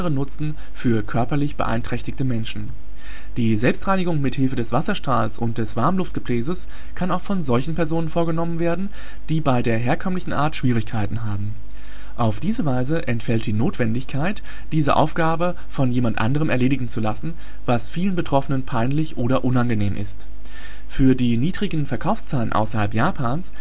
Nutzen für körperlich beeinträchtigte Menschen. Die Selbstreinigung mit Hilfe des Wasserstrahls und des Warmluftgebläses kann auch von solchen Personen vorgenommen werden, die bei der herkömmlichen Art Schwierigkeiten haben. Auf diese Weise entfällt die Notwendigkeit, diese Aufgabe von jemand anderem erledigen zu lassen, was vielen Betroffenen peinlich oder unangenehm ist. Für die niedrigen Verkaufszahlen außerhalb Japans